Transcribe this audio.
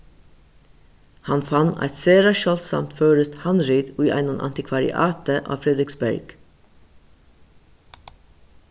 hann fann eitt sera sjáldsamt føroyskt handrit í einum antikvariati á frederiksberg